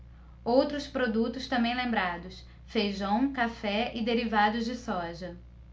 outros produtos também lembrados feijão café e derivados de soja